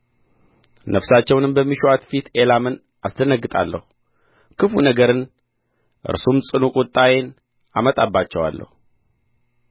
ነፍሳቸውን በሚሹአት ፊት ኤላምን አስደነግጣለሁ ክፉ ነገርን እርሱም ጽኑ ቍጣዬን አመጣባቸዋለሁ